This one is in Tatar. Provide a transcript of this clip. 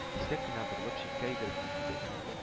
Кисәк кенә борылып, читкә йөгереп китте